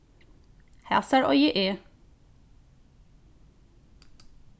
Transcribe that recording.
hasar eigi eg